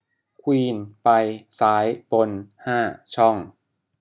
ควีนไปซ้ายบนห้าช่อง